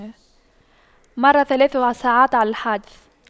مر ثلاث ساعات على الحادث